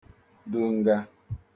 dunga